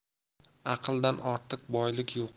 aqldan ortiq boylik yo'q